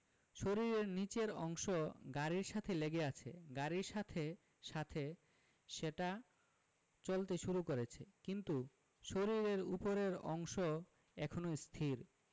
শরীরের নিচের অংশ গাড়ির সাথে লেগে আছে গাড়ির সাথে সাথে সেটা চলতে শুরু করেছে কিন্তু শরীরের ওপরের অংশ এখনো স্থির